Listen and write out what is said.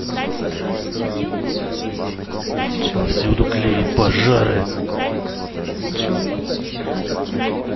повсюду клеит пожары